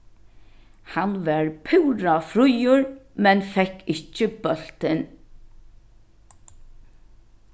hann var púra fríur men fekk ikki bóltin